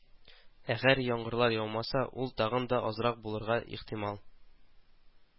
Әгәр яңгырлар яумаса, ул тагын да азрак булырга ихтимал